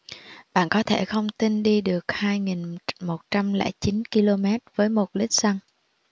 bạn có thể không tin đi được hai nghìn một trăm lẻ chín ki lô mét với một lít xăng